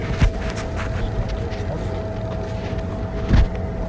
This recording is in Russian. смотреть монстры на каникулах